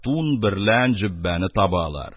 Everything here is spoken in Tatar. Тун берлән җөббәне табалар.